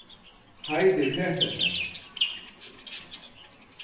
heidi petersen